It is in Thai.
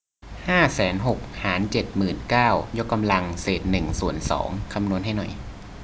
ห้าแสนหกหารเจ็ดหมื่นเก้ายกกำลังเศษหนึ่งส่วนสองคำนวณให้หน่อย